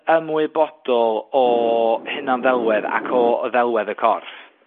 ymwybodol o hunan-ddelwedd ac o ddelwedd y corff?